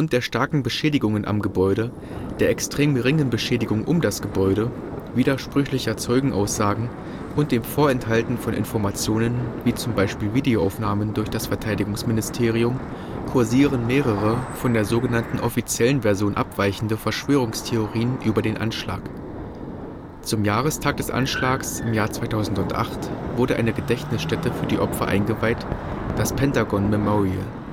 der starken Beschädigungen am Gebäude, der extrem geringen Beschädigung um das Gebäude, widersprüchlicher Zeugenaussagen und dem Vorenthalten von Informationen (z. B. Videoaufnahmen) durch das Verteidigungsministerium kursieren mehrere von der sogenannten „ offiziellen Version “abweichende Verschwörungstheorien über den Anschlag. Zum Jahrestag des Anschlags im Jahr 2008 wurde eine Gedächtnisstätte für die Opfer eingeweiht, das Pentagon Memorial